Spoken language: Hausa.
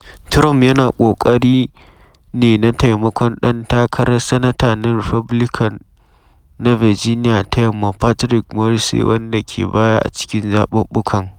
Trump yana ƙoƙari ne na taimakon ɗan takarar Sanata na Republican na Virginia ta Yamma Patrick Morrisey, wanda ke baya a cikin zaɓuɓɓukan.